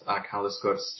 A ca'l y sgwrs